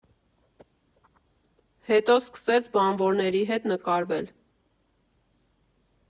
Հետո սկսեց բանվորների հետ նկարվել։